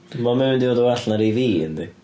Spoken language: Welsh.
Mae mynd i fod yn well na rhai fi, yndi.